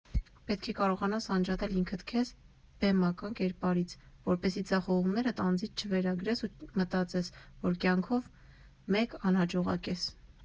Պետք է կարողանաս անջատել ինքդ քեզ բեմական կերպարից, որպեսզի ձախողումներդ անձիդ չվերագրես ու մտածես, որ կյանքով մեկ անհաջողակ ես։